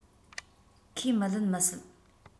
ཁས མི ལེན མི སྲིད